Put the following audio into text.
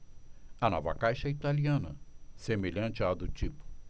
a nova caixa é italiana semelhante à do tipo